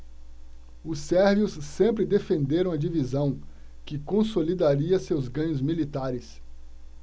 os sérvios sempre defenderam a divisão que consolidaria seus ganhos militares